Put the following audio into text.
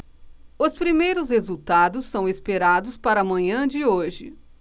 os primeiros resultados são esperados para a manhã de hoje